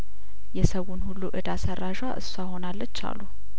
የሰዉን ሁሉ እዳ ሰራዧ እሷው ሆናለች አሉ